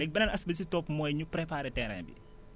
léegi beneen aspect bi si topp mooy ñu préparer terrain bi